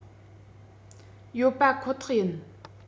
ཡོད པ ཁོ ཐག ཡིན